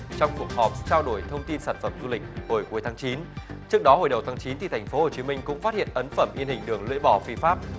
trong cuộc họp trao đổi thông tin sản phẩm du lịch hồi cuối tháng chín trước đó hồi đầu tháng chín thì thành phố hồ chí minh cũng phát hiện ấn phẩm in hình đường lưỡi bò phi pháp